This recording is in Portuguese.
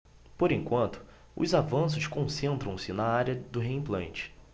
por enquanto os avanços concentram-se na área do reimplante